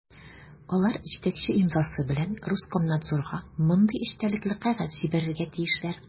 Алар җитәкче имзасы белән Роскомнадзорга мондый эчтәлекле кәгазь җибәрергә тиешләр: